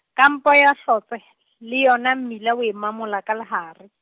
kampo ya Hlotse, le yona mmila o e mamola ka lehare.